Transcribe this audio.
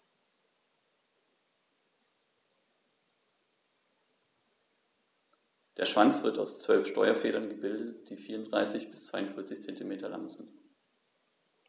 Der Schwanz wird aus 12 Steuerfedern gebildet, die 34 bis 42 cm lang sind.